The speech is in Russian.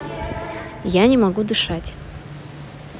я не могу дышать